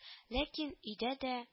Ләкин өйдә дә